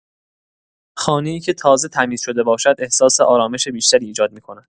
خانه‌ای که تازه تمیز شده باشد، احساس آرامش بیشتری ایجاد می‌کند.